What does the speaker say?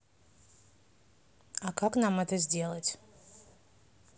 а как нам это сделать